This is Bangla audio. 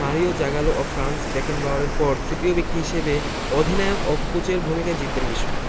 মারিও জাগালো ও ফ্রাঞ্জ বেকেনবাওয়ারের পর তৃতীয় ব্যক্তি হিসেবে অধিনায়ক ও কোচের ভূমিকায় জিতবেন বিশ্বকাপ